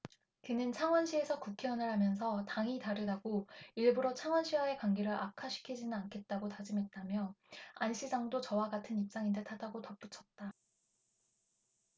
그는 창원시에서 국회의원을 하면서 당이 다르다고 일부러 창원시와의 관계를 악화시키지는 않겠다고 다짐했다며 안 시장도 저와 같은 입장인 듯 하다고 덧붙였다